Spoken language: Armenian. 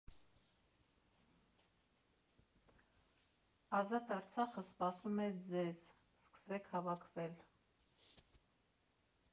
Ազատ Արցախը սպասում է ձեզ, սկսեք հավաքվել։